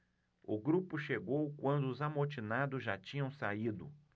o grupo chegou quando os amotinados já tinham saído